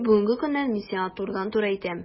Бүгенге көннән мин сиңа турыдан-туры әйтәм: